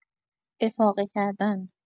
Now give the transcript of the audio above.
افاقه کردن